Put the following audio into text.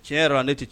Cɛ la ale tɛ